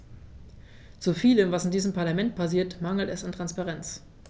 Zu vielem, was in diesem Parlament passiert, mangelt es an Transparenz.